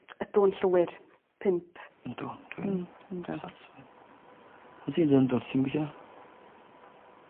Ydw yn llwyr pump. Yndw dwi'n dwi'n satisfied. Pam ti'n deud yndw ti'm yn gwithio.